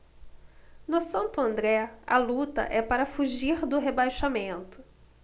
no santo andré a luta é para fugir do rebaixamento